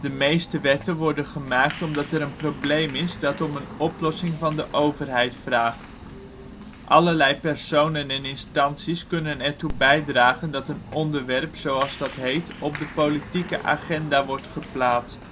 meeste wetten worden gemaakt omdat er een probleem is dat om een oplossing van de overheid vraagt. Allerlei personen en instanties kunnen ertoe bijdragen dat een onderwerp zoals dat heet ' op de politieke agenda wordt geplaatst